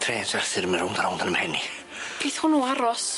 Trens Arthur yn mynd rownd a rownd yn fy mhen i. Geith hwnna aros.